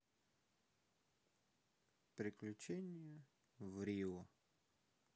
приключения в рио